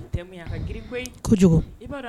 Bi thème in a ka girin koyi! kojugu! i b'a dɔn